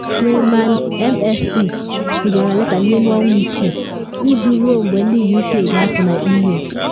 Jeane Freeman MSP zigara leta n’ime ọnwa isiii iji ruo mgbe ndị UK ga-apụ na EU.